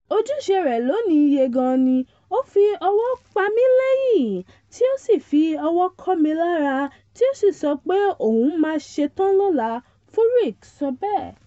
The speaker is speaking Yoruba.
"Ojúṣe rẹ̀ lónìí ye gan an ni, ó fi ọwọ́ pa mí lẹ́yìn tí ó sì fi ọwọ́ kọ́ mi lara tí ó sì sọ pé òun máa ṣetán lọ́la,” Furyk sọ bẹ́ẹ̀.